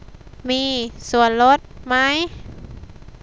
มีส่วนลดไหม